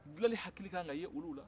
dilani hakili ka kan ka ye olu la